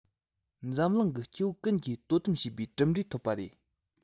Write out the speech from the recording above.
འཛམ གླིང གི སྐྱེ བོ ཀུན གྱིས དོ སྣང བྱེད པའི གྲུབ འབྲས ཐོབ པ རེད